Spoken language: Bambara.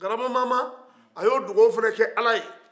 galaba mama a y'o duwawu fɛnɛ kɛ ala ye